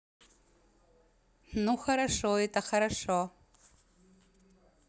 ну хорошо это хорошо